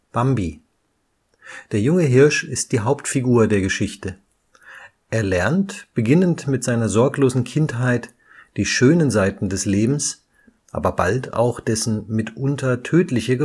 Bambi Der junge Hirsch ist die Hauptfigur der Geschichte. Er lernt, beginnend mit seiner sorglosen Kindheit, die schönen Seiten des Lebens, aber bald auch dessen mitunter tödliche